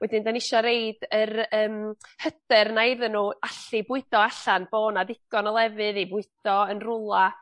wedyn 'dan ni isio roid yr yym hyder 'na iddyn n'w allu bwydo allan bo' 'na ddigon o lefydd i fwydo yn rwla